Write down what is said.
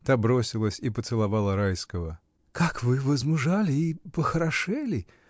Та бросилась и поцеловала Райского. — Как вы возмужали и. похорошели!